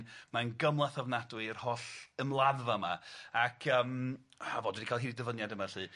mae'n gymhleth ofnadwy yr holl ymladdfa 'ma ac yym ha fo dwi 'di ca'l hyd i dyfyniad yma lly